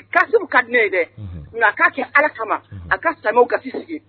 Kasim ka di ne ye dɛ, unhun, nka a k'a kɛ allah kama a ka silamɛ w gasi sigi.